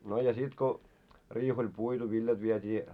no ja sitten kun riihi oli puitu viljat vietiin